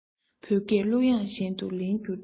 བོད སྐད གླུ དབྱངས བཞིན དུ ལེན འགྱུར ཅིག